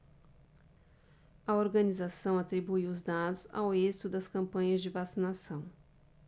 a organização atribuiu os dados ao êxito das campanhas de vacinação